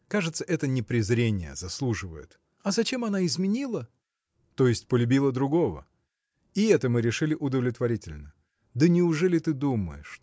Кажется, это не презрения заслуживает. – А зачем она изменила? – То есть полюбила другого? И это мы решили удовлетворительно. Да неужели ты думаешь